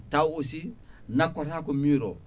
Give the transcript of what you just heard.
taw aussi nakkotako mur o